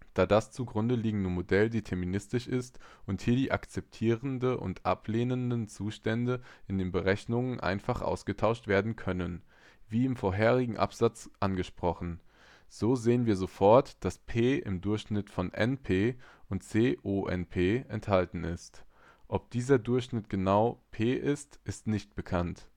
da das zugrunde liegende Modell deterministisch ist und hier die akzeptierenden und ablehnenden Zustände in den Berechnungen einfach ausgetauscht werden können, wie im vorherigen Absatz angesprochen. So sehen wir sofort, dass P im Durchschnitt von NP und CoNP enthalten ist. Ob dieser Durchschnitt genau P ist, ist nicht bekannt